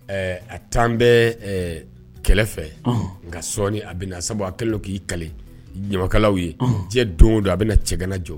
Ɛɛ a taalen bɛ ɛɛ kɛlɛ fɛ, Unhun, nka sɔɔni a bɛ na sabu a kɛlen don k'i kali ɲamakalaw ye, Unhun, diɲɛ don don a bɛna cɛgana jɔ